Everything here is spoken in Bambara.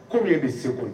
Kɔmi ye bɛ segu